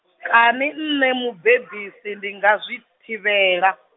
kani nṋe mubebisi ndi nga zwi thivhela?